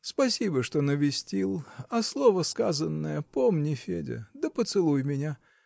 Спасибо, что навестил; а слово сказанное помни, Федя, да поцелуй меня.